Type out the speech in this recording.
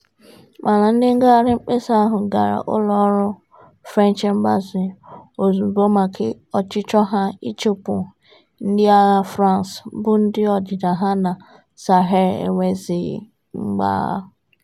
Mana ndị ngagharị mkpesa ahụ gara ụlọọrụ French Embassy ozugbo maka ọchịchọ ha ịchụpụ ndịagha France bụ ndị ọdịda ha na Sahel enweghịzi mgbagha.